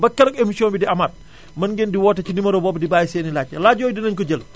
ba keroog émission bi di amaat mën ngeen di woote ci numéro boobu di bàyyi seen i laajte laaj yooyu dinañu ko jël